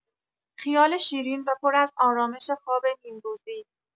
خیال شیرین و پر از آرامش خواب نیمروزی